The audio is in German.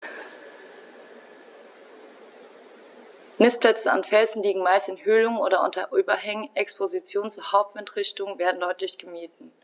Nistplätze an Felsen liegen meist in Höhlungen oder unter Überhängen, Expositionen zur Hauptwindrichtung werden deutlich gemieden.